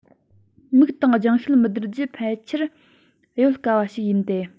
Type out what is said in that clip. མིག དང རྒྱང ཤེལ མི བསྡུར རྒྱུ ཕལ ཆེར གཡོལ དཀའ བ ཞིག ཡིན ཏེ